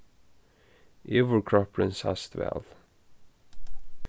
yvirkroppurin sæst væl